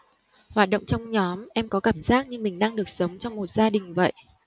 hoạt động trong nhóm em có cảm giác như mình đang được sống trong một gia đình vậy